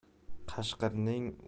qashqirning o'yi yomonlik